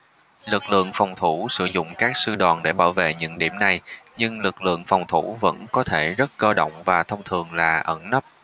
lực lượng phòng thủ sử dụng các sư đoàn để bảo vệ những điểm này nhưng lực lượng phòng thủ vẫn có thể rất cơ động và thông thường là ẩn nấp